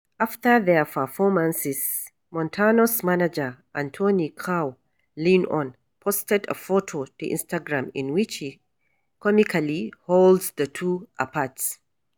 After their performances, Montano’s manager, Anthony Chow Lin On, posted a photo to Instagram in which he comically holds the two apart: